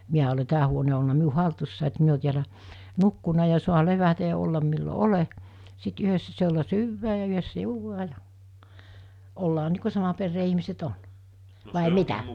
minä olen tämä huone on ollut minun hallussani että minä olen täällä nukkunut ja saa levätä ja olla milloin olen sitten yhdessä siellä syödään ja yhdessä juodaan ja ollaan niin kuin saman perheen ihmiset on vai mitä